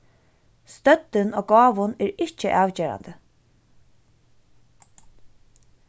støddin á gávum er ikki avgerandi